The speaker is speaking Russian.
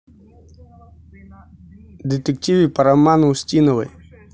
детективы по роману устиновой